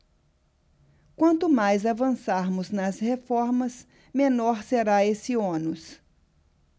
quanto mais avançarmos nas reformas menor será esse ônus